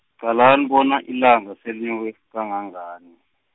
qalani bona ilanga selenyuke, kangangani.